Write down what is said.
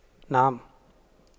نعم